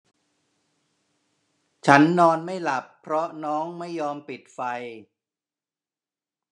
ฉันนอนไม่หลับเพราะน้องไม่ยอมปิดไฟ